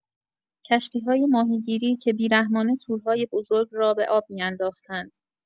کشتی‌های ماهیگیری که بی‌رحمانه تورهای بزرگ را به آب می‌انداختند.